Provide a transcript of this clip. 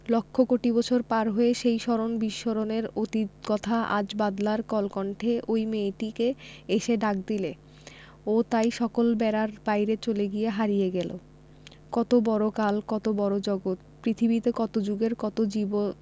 লক্ষ কোটি বছর পার হয়ে সেই স্মরণ বিস্মরণের অতীত কথা আজ বাদলার কলকণ্ঠে ঐ মেয়েটিকে এসে ডাক দিলে ও তাই সকল বেড়ার বাইরে চলে গিয়ে হারিয়ে গেল কত বড় কাল কত বড় জগত পৃথিবীতে কত জুগের কত জীব